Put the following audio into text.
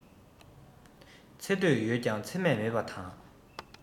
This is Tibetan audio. ཚེ སྟོད ཡོད ཀྱང ཚེ སྨད མེད པ མང